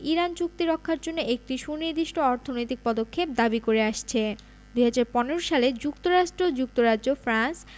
Iran চুক্তি রক্ষার জন্য একটি সুনির্দিষ্ট অর্থনৈতিক পদক্ষেপ দাবি করে আসছে ২০১৫ সালে যুক্তরাষ্ট্র যুক্তরাজ্য ফ্রান্স